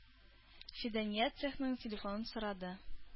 Фидания цехның телефонын сорады.